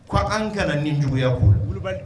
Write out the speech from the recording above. K ko an ka nin juguyaya ko kulubali